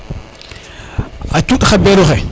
xa cuuɗ xa beeru xe